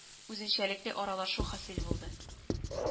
Үзенчәлекле аралашу хасил булды